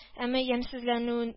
Әмма ямьсезләнүен